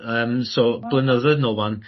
Yym so blynyddoedd nôl 'wan